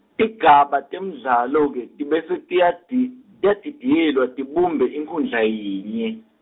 tigaba temdlalo ke, tibese tiyadi- tiyadidiyelwa tibumbe inkhundla yinye.